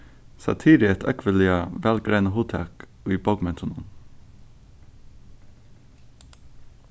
satira er eitt ógvuliga væl greinað hugtak í bókmentunum